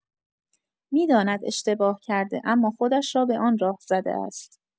می‌داند اشتباه کرده، اما خودش را به آن راه زده است.